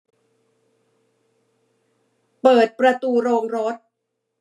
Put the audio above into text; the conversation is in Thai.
เปิดประตูโรงรถ